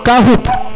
ka xup